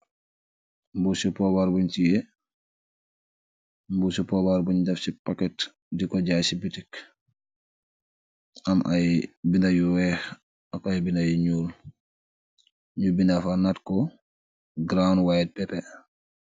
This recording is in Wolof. Mbu si pobar bungh tiyeh, mbu si pobar bungh def ci paket diko jaay ci butik, am ay binda yu weex ak aiiyy binda yu njull, nju binda fa natco ground white peper.